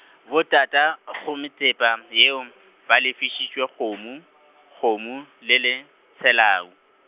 botatago methepa yeo ba lefišitšwe kgomo, kgomo le le, tshelau.